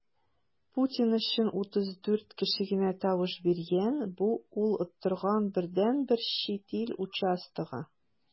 Путин өчен 34 кеше генә тавыш биргән - бу ул оттырган бердәнбер чит ил участогы.